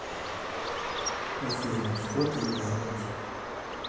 афина что ты делаешь